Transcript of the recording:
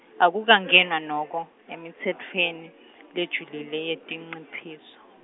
Akukangenwa noko, emitsetfweni, lejulile yetinciphiso.